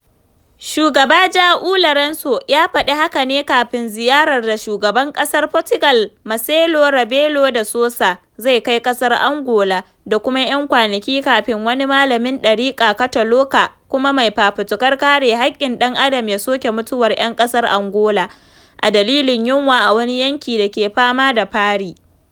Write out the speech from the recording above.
Shugaba João Lourenço ya faɗi haka ne kafin ziyarar da Shugaban ƙasar Fotugal, Marcelo Rebelo de Sousa zai kai ƙasar Angola, da kuma ‘yan kwanaki kafin wani malamin ɗariƙar Katolika kuma mai fafutukar kare haƙƙin ɗan adam ya soki mutuwar ‘yan ƙasar Angola a dalilin yunwa a wani yanki da ke fama da fari.